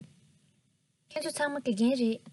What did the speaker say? ཁྱེད ཚོ ཚང མ དགེ རྒན རེད